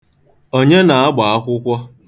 Onye na-agba akwụkwọ?